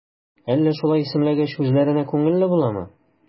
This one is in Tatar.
Әллә шулай исемләгәч, үзләренә күңелле буламы?